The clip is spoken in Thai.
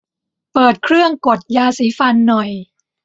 เปิดเครื่องกดยาสีฟันหน่อย